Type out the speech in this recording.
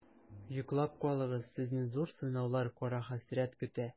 Йоклап калыгыз, сезне зур сынаулар, кара хәсрәт көтә.